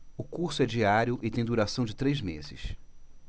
o curso é diário e tem duração de três meses